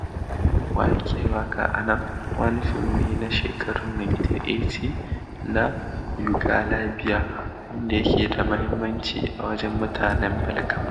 Wa yake Waƙa A nan? wani fim ne na shekarun 1980 na Yugolabiya wanda yake da muhimmanci a wajen mutanen Balkan.